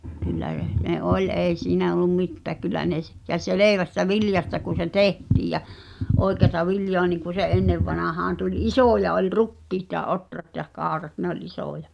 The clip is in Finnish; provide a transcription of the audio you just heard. kyllä - ne oli ei siinä ollut mitään kyllä ne - ja selvästä viljasta kun se tehtiin ja oikeata viljaa niin kuin se ennen vanhaan tuli isoja oli rukiit ja ohrat ja kaurat ne oli isoja